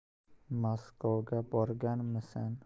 maskovga borganmisan